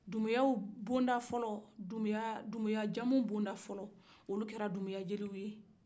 dumbuyaw bondafɔlɔ dumbuya-dumbuyajamu bondafɔlɔ olu kɛra dumbuyajeliw ye